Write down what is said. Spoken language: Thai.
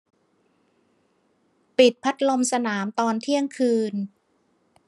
ปิดพัดลมสนามตอนเที่ยงคืน